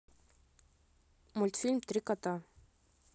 мультфильм три кота